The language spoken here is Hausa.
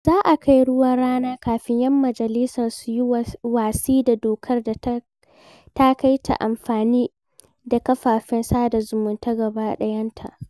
Za a kai-ruwa-rana kafin 'yan majalisar su yi watsi da dokar ta taƙaita amfani da kafafen sada zumunta gaba ɗayanta.